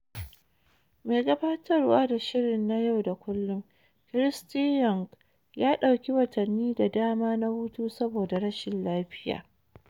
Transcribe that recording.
Mai gabatarwa da shirin na yau da kullum, Kirsty Young, ya dauki watanni da dama na hutu saboda rashin lafiya.